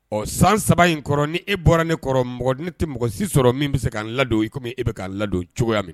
Ɔ san saba in kɔrɔ ni e bɔra ne kɔrɔ ne tɛ mɔgɔ si sɔrɔ min bɛ se ka'a ladon i komi e bɛ k'a ladon cogoya min